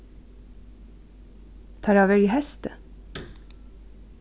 teir hava verið í hesti